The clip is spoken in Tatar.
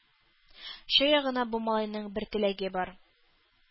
Чая гына бу малайның бер теләге бар —